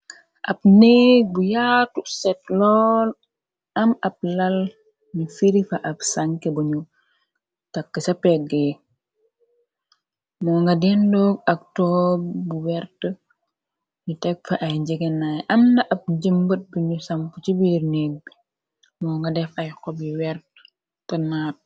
ab neeg bu yaatu set lool am ab lal ni firi fa ab sanke buñu takk ca peggee moo nga dendoog ak toob bu wert nu teg fa ay njegenaay amda ab jëmbët biñu samp ci biir neeg bi moo nga def ay xob yi wert te naat